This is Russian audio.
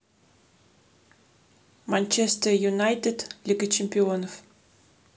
manchester united лига чемпионов